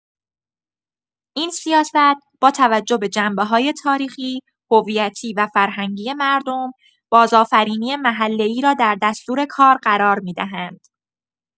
این سیاست، با توجه به جنبه‌های تاریخی، هویتی و فرهنگی مردم، بازآفرینی محله‌ای را در دستورکار قرار می‌دهند.